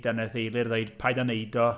Wedyn wnaeth Eilir ddeud "paid â wneud o".